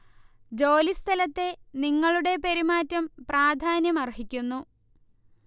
ജോലി സ്ഥലത്തെ നിങ്ങളുടെ പെരുമാറ്റം പ്രാധാന്യം അര്ഹിക്കുന്നു